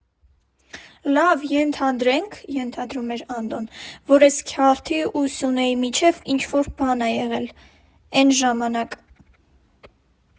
Լավ, ենթադրենք, ֊ ենթադրում էր Անդոն, ֊ որ էս քյառթի ու Սյունեի միջև ինչ֊որ բան ա եղել էն ժամանակ։